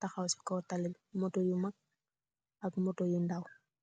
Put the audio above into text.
tawah si koow talibi motor yu mag , ak motor yu dow.